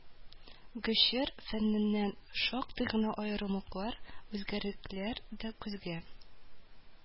Ге чор фәненнән шактый гына аерымлыклар, үзгәлекләр дә күзгә